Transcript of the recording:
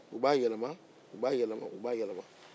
u b'a yɛlɛma u b'a yɛlɛma u b'a yɛlɛma